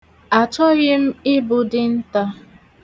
Achoghị m ịbụ dinta.